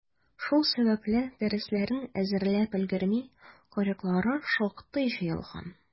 Шул сәбәпле, дәресләрен әзерләп өлгерми, «койрыклары» шактый җыелган.